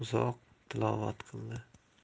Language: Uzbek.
uzoq tilovat qildi